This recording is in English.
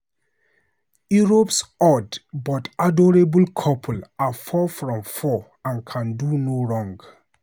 Europe's odd but adorable couple are four from four and can do no wrong.